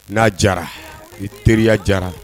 N'a jara i teriya jara